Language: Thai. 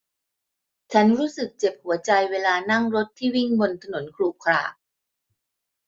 ฉันรู้สึกเจ็บหัวใจเวลานั่งรถที่วิ่งบนถนนขรุขระ